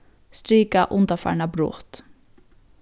strika undanfarna brot